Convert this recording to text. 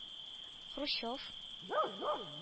Хрущев